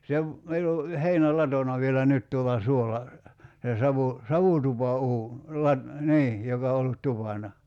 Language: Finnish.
se - meillä on heinälatona vielä nyt tuolla suolla se - savutupauuni - niin joka on ollut tupana